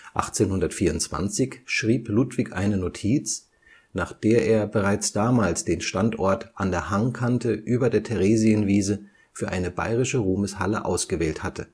1824 schrieb Ludwig eine Notiz, nach der er bereits damals den Standort an der Hangkante über der Theresienwiese für eine bayerische Ruhmeshalle ausgewählt hatte